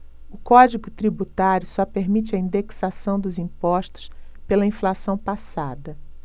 o código tributário só permite a indexação dos impostos pela inflação passada